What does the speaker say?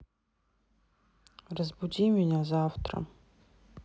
разбуди меня завтра